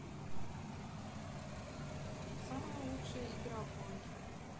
самая лучшая игра в гонке